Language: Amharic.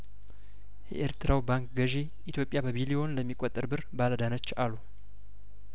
የኤርትራው ባንክ ገዥ ኢትዮጵያ በቢሊዮን ለሚቆጠር ብር ባለ እዳነች አሉ